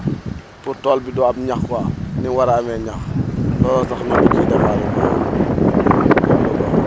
pour tool bi du am ñax quoi ni mu war a amee énax looloo tax ko ciy defaale noonu quoi